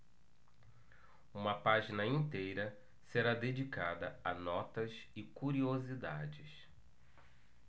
uma página inteira será dedicada a notas e curiosidades